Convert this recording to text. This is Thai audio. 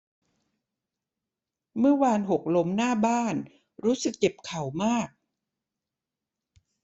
เมื่อวานหกล้มหน้าบ้านรู้สึกเจ็บเข่ามาก